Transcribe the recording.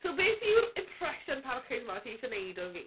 So beth yw'r impression parchus 'ma ti isie wneud o fi?